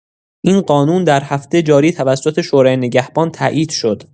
این قانون در هفته جاری توسط شورای نگهبان تایید شد.